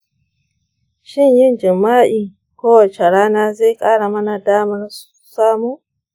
shin yin jima’i kowace rana zai ƙara mana damar samu?